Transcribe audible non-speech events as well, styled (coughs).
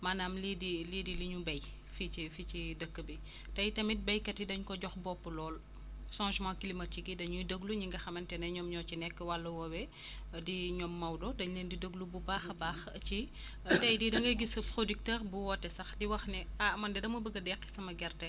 maanaam lii di lii di li ñu béy fii ci fii ci dëkk bi te i tamit béykat yi dañu ko jox bopp lool changement climatique yi dañuy déglu ñi nga xamante ne ñoom ñoo ci nekk wàllu woowee (breath) di ñoom Maodo dañu leen di déglu bu baax a baax ci (coughs) tey jii da ngay gis sax producteur bu woote sax di wax ne ah man de dama bëgg deqi sma gerte